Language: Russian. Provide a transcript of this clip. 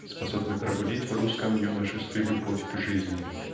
способный пробудить в русском юношестве любовь к жизни.